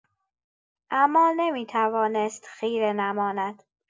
اما نمی‌توانست خیره نماند.